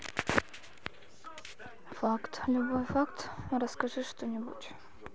факт любой факт расскажи что нибудь